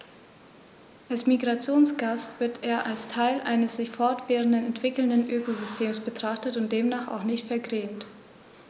Als Migrationsgast wird er als Teil eines sich fortwährend entwickelnden Ökosystems betrachtet und demnach auch nicht vergrämt.